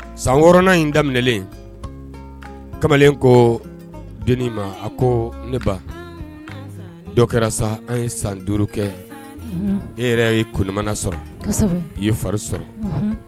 San 6 nan in daminɛlen kamalen ko denin ma a ko ne ba dɔ kɛra an ye san 5 kɛ e yɛrɛ i ye sɔrɔ i ye fari sɔrɔ.